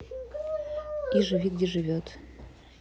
и живи где живет